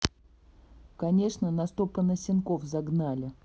конечно на сто понасенков загнали